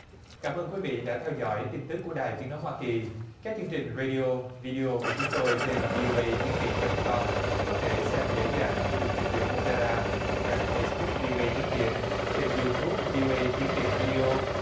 cảm ơn quý vị đã theo dõi tin tức của đài tiếng nói hoa kỳ các chương trình rây đi ô vi đi ô của chúng tôi trên vi ô ây tiếng việt chấm com có thể xem dễ dàng khi dùng trình duyệt ô pe ra trang phây búc vi ô ây tiếng việt kênh diu túp vi ô ây tiếng việt vi đi ô